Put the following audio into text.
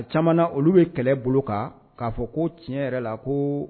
Caman olu ye kɛlɛbolo ka, k'a fɔ ko tiɲɛ yɛrɛ la kooo